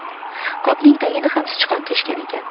qopning tagini ham sichqon teshgan ekan